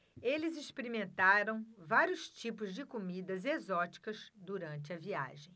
eles experimentaram vários tipos de comidas exóticas durante a viagem